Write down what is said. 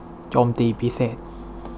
โจมตีพิเศษ